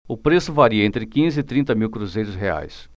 o preço varia entre quinze e trinta mil cruzeiros reais